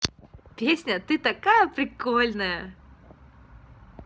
песня ты такая прикольная